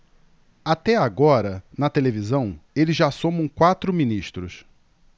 até agora na televisão eles já somam quatro ministros